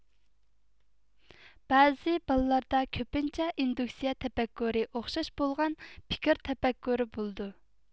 بەزى بالىلاردا كۆپىنچە ئىندۇكسىيە تەپەككۇرى ئوخشاش بولغان پىكىر تەپەككۇرى بولىدۇ